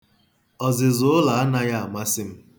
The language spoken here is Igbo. Ọzịza ụlọ anaghị amasị m.